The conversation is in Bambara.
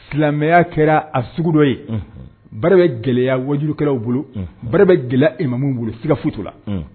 Silamɛmɛya kɛra a sugu dɔ ye unhun bara bɛ gɛlɛya wajulukɛlaw bolo unhun bara bɛ gɛlɛya imamuw bolo siga foyi t'o la unh